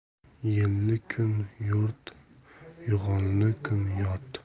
yelli kun yo'rt yog'inli kun yot